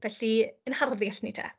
Felly, ein harddull ni te.